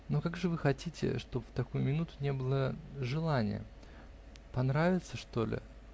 но как же вы хотите, чтоб в такую минуту не было желания. -- Понравиться, что ли?